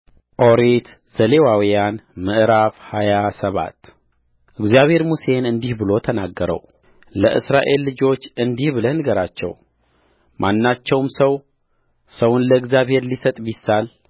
ኦሪት ዘሌዋውያን ምዕራፍ ሃያ ሰባት እግዚአብሔር ሙሴን እንዲህ ብሎ ተናገረውለእስራኤል ልጆች እንዲህ ብለህ ንገራቸው ማናቸውም ሰው ሰውን ለእግዚአብሔር ሊሰጥ ቢሳል